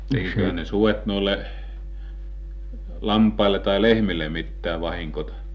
tekiköhän ne sudet noille lampaille tai lehmille mitään vahinkoa